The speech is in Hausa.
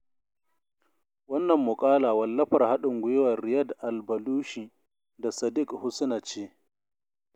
Wannan muƙala wallafar haɗin gwiwar Riyadh Al Balushi da Sadeek Hasna ce.